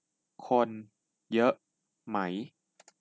คนเยอะไหม